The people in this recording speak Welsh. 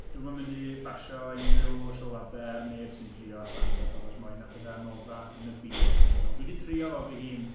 Dwi ddim yn mynd i basio unrhyw sylwadau ar neb sy'n trio stand-up. Achos mae o'n un o'r pethau anoddaf yn y byd, 'swn i'n feddwl. Dwi 'di trio fo fy hun.